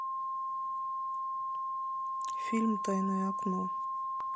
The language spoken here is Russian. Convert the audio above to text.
фильм тайное окно